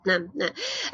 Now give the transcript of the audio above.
Na na